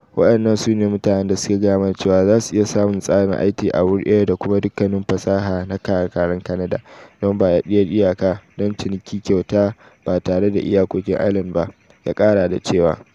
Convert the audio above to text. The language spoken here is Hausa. ‘Waɗannan su ne mutanen da suka gaya mana cewa za su iya samun tsarin IT a wuri daya da kuma dukkanin fasaha na kara-karan Canada, don badaddiyar iyaka, don ciniki kyauta ba tare da iyakoki a Ireland ba,’ ya kara da cewa.